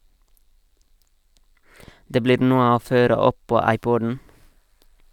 Det blir noe å føre opp på Ipod'en ...